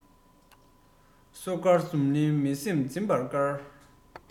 ཐོད པའི རི མོ གྱེན ལ ཡོད པའི མི